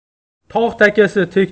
tog' takasi tek